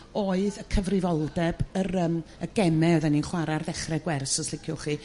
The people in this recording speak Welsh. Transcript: oedd y cyfrifoldeb yr yrm y geme oedden ni'n chwar'e ar ddechrau gwers os liciwch chi.